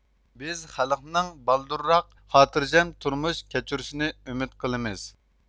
بىز خەلقنىڭ بالدۇرراق خاتىرجەم تۇرمۇش كەچۈرۈشىنى ئۈمىد قىلىمىز